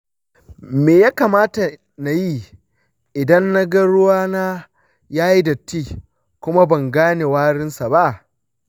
me ya kamata nayi idan na ga ruwa na yayi datti kuma ban gane warin sa ba?